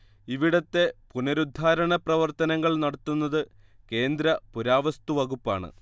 ഇവിടത്തെ പുനരുദ്ധാരണ പ്രവർത്തനങ്ങൾ നടത്തുന്നത് കേന്ദ്ര പുരാവസ്തുവകുപ്പാണ്